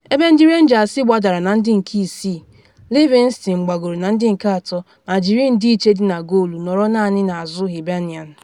Ebe ndị Rangers gbadara na ndị nke isii, Linvingston gbagoro na ndị nke atọ ma jiri ndịiche dị na goolu nọrọ naanị n’azụ Hibernian.